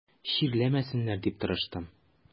Чирләмәсеннәр дип тырыштым.